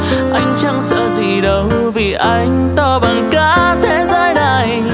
anh chẳng sợ gì đâu vì anh to bằng cả thế giới này